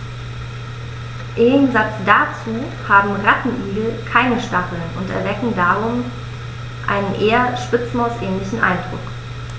Im Gegensatz dazu haben Rattenigel keine Stacheln und erwecken darum einen eher Spitzmaus-ähnlichen Eindruck.